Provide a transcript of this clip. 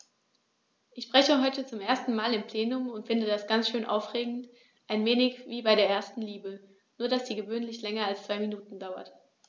Ich spreche heute zum ersten Mal im Plenum und finde das ganz schön aufregend, ein wenig wie bei der ersten Liebe, nur dass die gewöhnlich länger als zwei Minuten dauert.